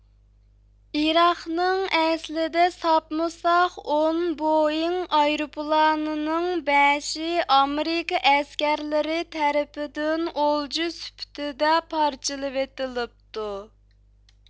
ئىراقنىڭ ئەسلىدە ساپمۇساق ئون بوئېڭ ئايروپىلانىنىڭ بەشى ئامېرىكا ئەسكەرلىرى تەرىپىدىن ئولجا سۈپىتىدە پارچىلىۋېتىلىپتۇ